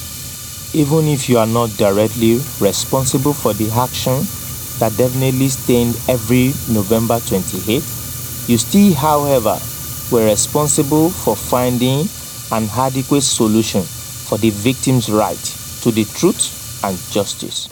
Even if you are not directly responsible for the action that definitely stained every November 28, you still however were responsible for finding an adequate solution for the victims’ rights to the truth and justice ...